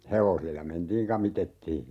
hevosilla mentiin kamitettiin